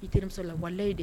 I terimuso la wa ye de